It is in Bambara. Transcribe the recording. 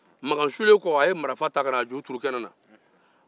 makan sulen ye marifa ta ka n'a juru turu kɛnɛ